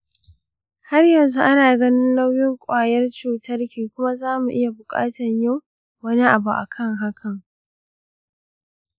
har yanzu ana ganin nauyin ƙwayar cutanki kuma zamu iya buƙatan yin wani abu akan hakan.